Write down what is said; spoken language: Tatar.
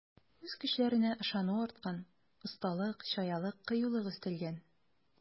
Үз көчләренә ышану арткан, осталык, чаялык, кыюлык өстәлгән.